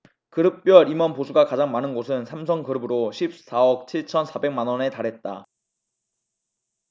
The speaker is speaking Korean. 그룹별 임원 보수가 가장 많은 곳은 삼성그룹으로 십 사 억 칠 천 사백 만원에 달했다